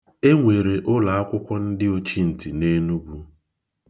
E nwere ụlọakwụkwọ ndị ochintị n'Enugwu.